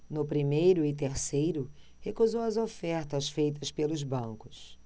no primeiro e terceiro recusou as ofertas feitas pelos bancos